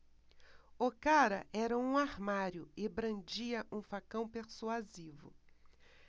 o cara era um armário e brandia um facão persuasivo